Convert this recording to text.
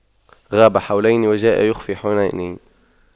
غاب حولين وجاء بِخُفَّيْ حنين